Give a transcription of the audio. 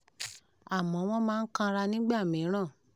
Àmọ́ wọ́n máa ń kanra nígbà mìíràn.